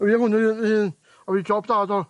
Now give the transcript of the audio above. Ie ma' wna un... O'dd 'i job da do?